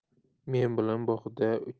men bilan bog'da